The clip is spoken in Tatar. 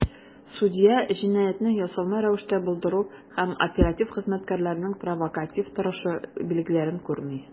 Судья "җинаятьне ясалма рәвештә булдыру" һәм "оператив хезмәткәрләрнең провокатив торышы" билгеләрен күрми.